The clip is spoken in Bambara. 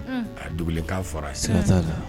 A dugu k'a fara a sirasa la